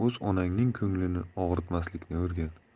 o'z onangning ko'nglini og'ritmaslikni o'rgan